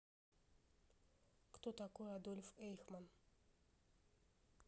кто такой адольф эйхман